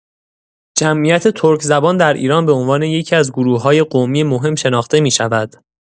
جمعیت ترک‌زبان در ایران به عنوان یکی‌از گروه‌های قومی مهم شناخته می‌شود.